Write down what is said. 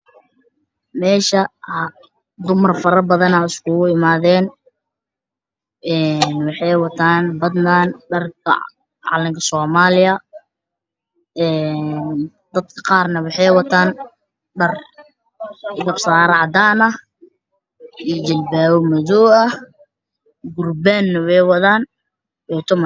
Meesha dumar faro badan ayaa isku imaday ee wxaa watadaan dharka calanka soomaliya ee dadka qaar neh wxee watadaan dhar gabsar cadan io jilbaabo madow ehe kurbaan neh weywadaan wey tumayaan